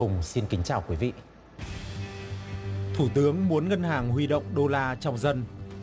hùng xin kính chào quý vị thủ tướng muốn ngân hàng huy động đô la trong dân